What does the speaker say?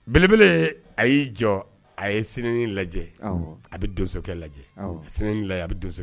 Belebele a y'i jɔ a ye sen lajɛ a bɛ donso lajɛ sen lajɛ a bɛ donso